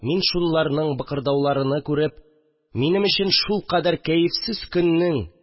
Мин шуларның быкырдауларыны күреп, минем өчен шулкадәр кәефсез көнне